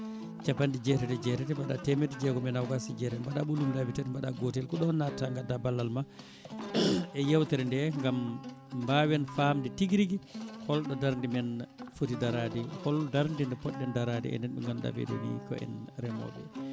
capanɗe jeetati e jeetati mbaɗa temedde jeegom e nogas e jeetati mbaɗa ɓoolum laabi tati mbaɗa gotel ko natta gadda ballal ma e yewtere nde gaam mbawen famde tiguiri rigui holɗo darde men footi darade hol darde nde poɗɗen darade enen ɓe ganduɗa ɓeeɗo ni ko en reemoɓe